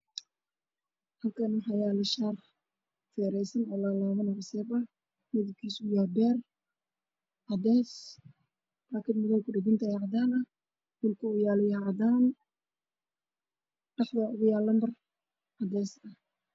Waa shaar midabkiisu yahay madow caddaysi wuxuu saaran yahay meel cadaan waana sharci cusub